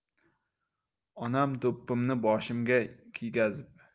onam do'ppimni boshimga kiygazib